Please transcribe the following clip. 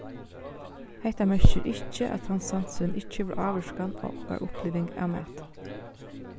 hetta merkir ikki at tann sansurin ikki hevur ávirkan á okkara uppliving av mati